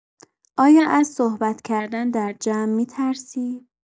آیا از صحبت کردن در جمع می‌ترسی؟